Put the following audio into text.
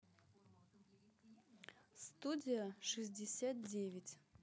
студия шестьдесят девять